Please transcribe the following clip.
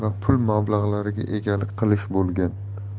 mol mulk va pul mablag'lariga egalik qilish bo'lgan